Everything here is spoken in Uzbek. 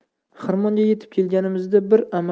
xirmonga yetib kelganimizda bir